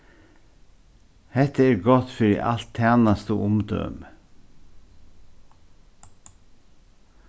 hetta er gott fyri alt tænastuumdømi